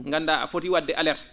nganndaa a fotii wa?de alerte